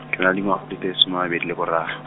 ke na dingwang- di le some a mabedi le boraro.